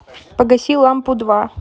погаси лампу два